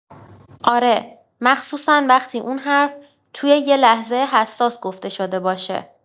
آره، مخصوصا وقتی اون حرف توی یه لحظه حساس گفته شده باشه.